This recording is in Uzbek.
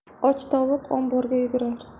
och tovuq omborga yugurar